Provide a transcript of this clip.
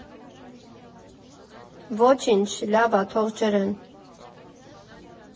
Ոչինչ, լավ ա, թող ջրեն։